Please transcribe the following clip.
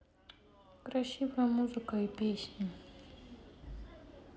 красивая музыка и песни